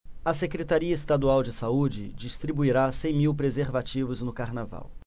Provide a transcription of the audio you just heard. a secretaria estadual de saúde distribuirá cem mil preservativos no carnaval